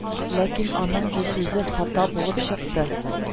Ләкин аның бу сүзе хата булып чыкты